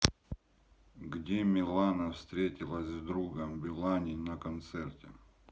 где милана встретилась с другой белане на концерте